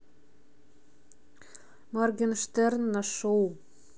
моргенштерн на шоу